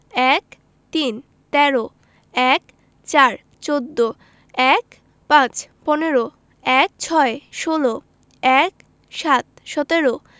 ১৩ তেরো ১৪ চৌদ্দ ১৫ পনেরো ১৬ ষোল ১৭ সতেরো